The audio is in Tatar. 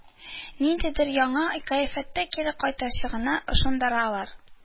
Нин идер яңа кыяфәттә кире кайтачагына ышандыралар